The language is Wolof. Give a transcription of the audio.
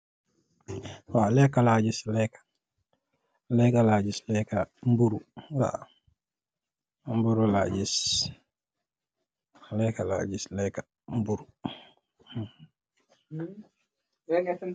Lekkeh la gis , lekka, mburu la gis.